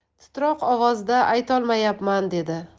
titroq ovozda aytolmayapman dedi